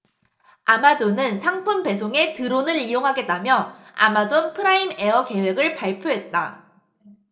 아마존은 상품 배송에 드론을 이용하겠다며 아마존 프라임에어 계획을 발표했다